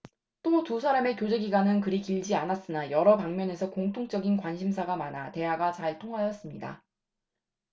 또 두 사람의 교제기간은 그리 길지 않았으나 여러 방면에서 공통적인 관심사가 많아 대화가 잘 통하였습니다